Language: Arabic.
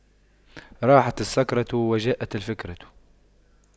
راحت السكرة وجاءت الفكرة